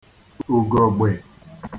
ùgògbè